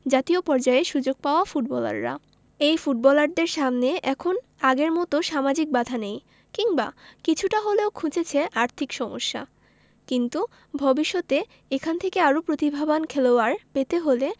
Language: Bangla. জাতীয় পর্যায়ে সুযোগ পাওয়া ফুটবলাররা এই ফুটবলারদের সামনে এখন আগের মতো সামাজিক বাধা নেই কিংবা কিছুটা হলেও ঘুচেছে আর্থিক সমস্যা কিন্তু ভবিষ্যতে এখান থেকে আরও প্রতিভাবান খেলোয়াড় পেতে হলে